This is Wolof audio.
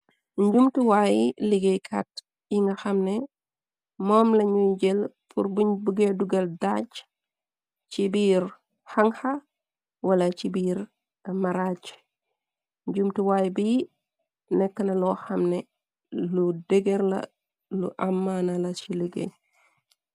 Njumtuwaayi liggéey katt yi nga xamne, moom lañuy jël pur buñ bugee dugal daaj ci biir hanxa, wala ci biir maraaj, njumtuwaay bi nekk na lo xamne lu dëgër la, lu ammaana la ci liggéey.